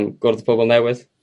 yym gwrdd pobol newydd.